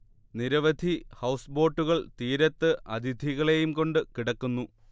നിരവധി ഹൗസ് ബോട്ടുകൾ തീരത്ത് അതിഥികളെയും കൊണ്ട് കിടക്കുന്നു